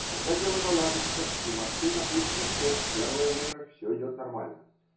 Когда дело наладится и машина пущена в ход, первое время все идет нормально.